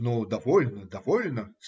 Ну, довольно, довольно,